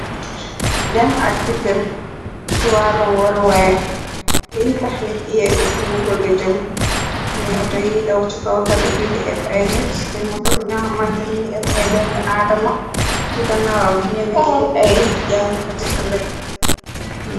Dem ak dikkan ci wàllum waru weay liy taxnik yégg fi mu bëg jëm miy oto yiy daw ci kaw tali bi di epp nit muy moto bi nga mantem ngi epp doomi aadama ci ganawam ñenn ki ay jàng ka ti xale.